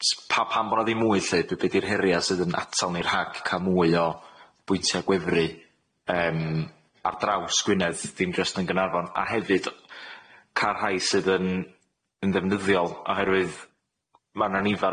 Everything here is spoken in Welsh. s- pa- pam bo' na ddim mwy lly be- be' di'r heria' sydd yn atal ni rhag ca'l mwy o bwyntia' gwefru yym ar draws Gwynedd ddim jyst yn Gaernarfon a hefyd car rhai sydd yn yn ddefnyddiol oherwydd ma' na nifer